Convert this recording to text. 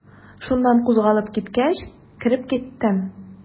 Шуннан кузгалып киткәч, кереп киттем.